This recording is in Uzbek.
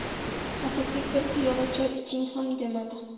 asadbek bir piyola choy iching ham demadi